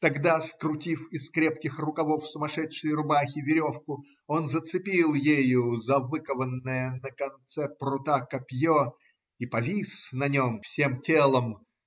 Тогда, скрутив из крепких рукавов сумасшедшей рубахи веревку, он зацепил ею за выкованное на конце прута копье и повис на нем всем телом.